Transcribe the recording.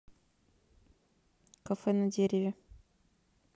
кафе на дереве